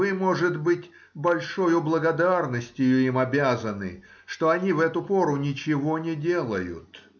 вы, может быть, большою благодарностию им обязаны, что они в эту пору ничего не делают.